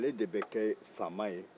ale de bɛ kɛ faama ye